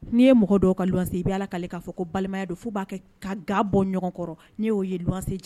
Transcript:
N'i ye mɔgɔ ka wan i bɛ ala k'a fɔ ko balimaya don fo b'a kɛ ka ga bɔ ɲɔgɔn kɔrɔ n' y'o ye wan jan